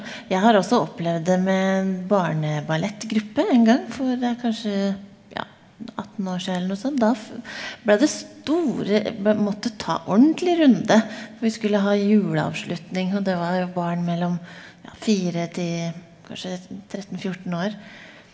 jeg har også opplevd det med barneballettgruppe en gang for det er kanskje ja 18 år sia eller noe sånn, da blei det det store måtte ta ordentlige runde for vi skulle ha juleavslutning og det var jo barn mellom ja fire til kanskje 13 14 år.